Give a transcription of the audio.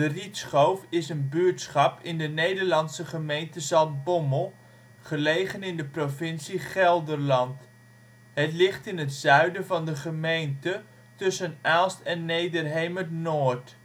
Rietschoof is een buurtschap in de Nederlandse gemeente Zaltbommel, gelegen in de provincie Gelderland. Het ligt in het zuiden van de gemeente tussen Aalst en Nederhemert-Noord